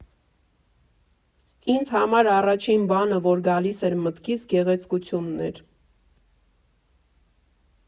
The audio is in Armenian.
Ինձ համար առաջին բանը, որ գալիս էր մտքիս, գեղեցկությունն էր։